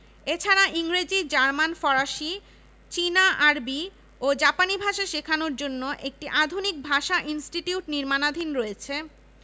সংস্কৃতিচর্চা মুক্ত ও উদ্ভাবনী চিন্তার বিকাশের লক্ষ্যে শিক্ষক ও ছাত্রদের মধ্যে মেলামেশা ও মত বিনিময়ের উদ্দেশ্যে